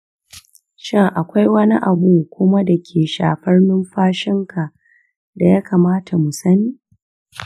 shin akwai wani abu kuma da ke shafar numfashinka da ya kamata mu sani?